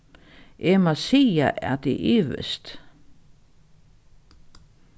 eg má siga at eg ivist